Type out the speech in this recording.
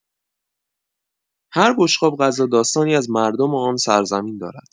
هر بشقاب غذا داستانی از مردم آن سرزمین دارد؛